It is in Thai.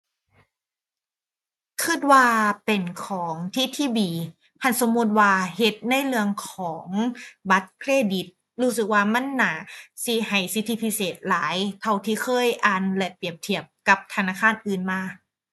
คิดว่าเป็นของ ttb หั้นสมมุติว่าเฮ็ดในเรื่องของบัตรเครดิต รู้สึกว่ามันน่าสิให้สิทธิพิเศษหลาย เท่าที่เคยอ่านและเปรียบเทียบกับธนาคารอื่นมา